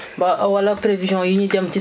su ko defee nga mën ci bàyyi xel